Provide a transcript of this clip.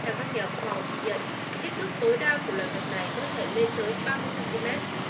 theo các nhà khoa học ghi nhận kích thước tối đa của loài vật này có thể lên tới ba mươi xăng ti mét